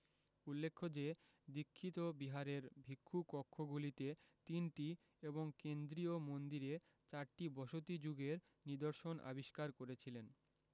উল্লেখ্য যে দীক্ষিত বিহারের ভিক্ষু কক্ষগুলিতে তিনটি এবং কেন্দ্রীয় মন্দিরে চারটি বসতি যুগের নিদর্শন আবিষ্কার করেছিলেন